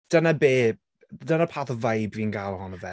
Dyna be... dyna pa fath o vibe fi'n gael ohono fe.